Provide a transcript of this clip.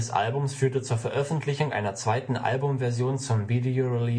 Albums führte zur Veröffentlichung einer zweiten Album-Version zum Video-Release